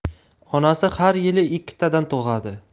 onasi har yili ikkitadan tug'adi